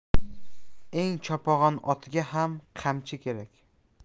eng chopag'on otga ham qamchi kerak